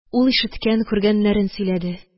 Ул ишеткән, күргәннәрен сөйләде